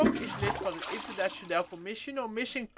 is lid van de International commission on missing persons